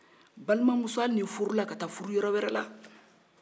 balimamuso hali ni furu la a ka ta furu yɔrɔ wɛrɛ la